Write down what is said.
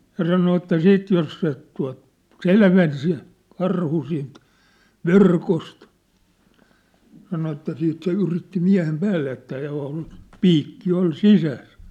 ja sanoi että sitten jos se tuota selveni se karhu siitä verkosta sanoi että sitten se yritti miehen päälle että oli piikki oli sisässä